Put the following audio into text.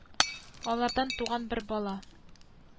Алардан туган бер бала